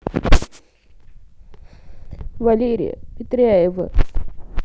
валерия петряева